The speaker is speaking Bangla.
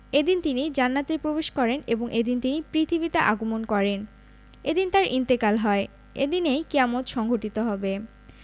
এদিন তিনি জান্নাতে প্রবেশ করেন এবং এদিন তিনি পৃথিবীতে আগমন করেন এদিন তাঁর ইন্তেকাল হয় এদিনেই কিয়ামত সংঘটিত হবে